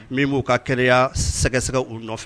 Min b'u ka kɛnɛya sɛgɛsɛgɛ u nɔfɛ